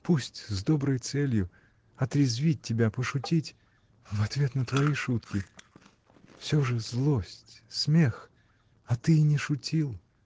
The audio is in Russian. Пусть с доброй целью — отрезвить тебя, пошутить — в ответ на твои шутки. Всё же — злость, смех! А ты и не шутил.